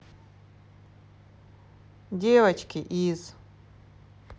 девочки из